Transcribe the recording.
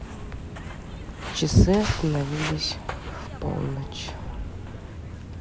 часы остановились в полночь